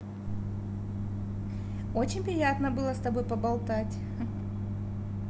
очень приятно было с тобой поболтать